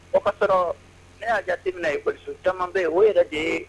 Ka sɔrɔ ne ya jateminɛ école so caman bɛ yen o yɛrɛ de ye